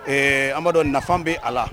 Ee amadu nafa bɛ a la